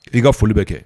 I' ka foli bɛ kɛ